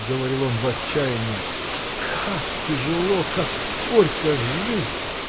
– говорил он в отчаянье, – как тяжело, как горько жить!